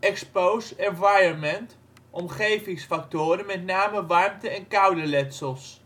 Expose / Environment (omgevingsfactoren, met name warmte en koude letsels